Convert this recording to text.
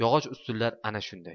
yog'och ustunlar ana shunday